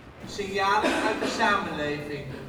Signalen uit de Samenleving